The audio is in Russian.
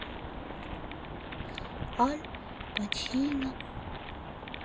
аль пачино